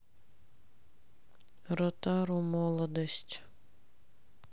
ротару молодость